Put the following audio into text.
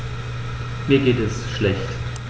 Mir geht es schlecht.